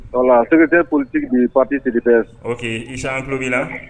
Voila Voila secretaire politique de parti C-D-P-S Isa an kulo bi la.